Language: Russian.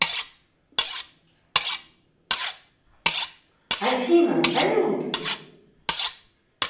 афина салют